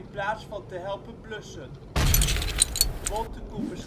plaats van te helpen blussen. Bontekoe